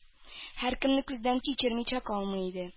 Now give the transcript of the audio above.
Һәркемне күздән кичермичә калмый иде.